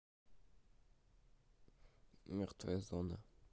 мертвая зона